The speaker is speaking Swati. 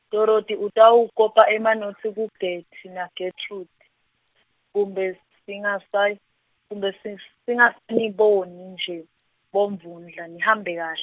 Dorothy utawukopa emanotsi kuGetty naGetrude, kumbe, singasayi-, kumbe ses- singasaniboni nje, boMvundla nihambe kahl-.